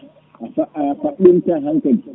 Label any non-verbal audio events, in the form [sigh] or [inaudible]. [hesitation] sa chaque émission han kadi